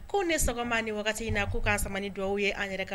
Ku ni sɔgɔma nin waati in na . Ku kan sama ni dugawu ye an yɛrɛ